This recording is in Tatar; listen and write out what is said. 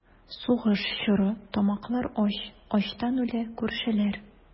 Сугыш чоры, тамаклар ач, Ачтан үлә күршеләр.